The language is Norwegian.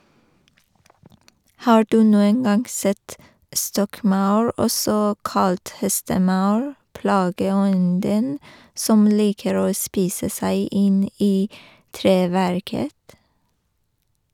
Har du noen gang sett stokkmaur , også kalt hestemaur, plageånden som liker å spise seg inn i treverket?